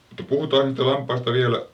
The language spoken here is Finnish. mutta puhutaanpas niistä lampaista vielä